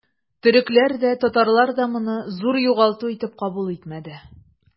Төрекләр дә, татарлар да моны зур югалту итеп кабул итмәде.